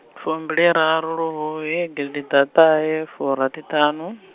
fumbiliraru luhuhi gidiḓaṱahefurathiṱhanu.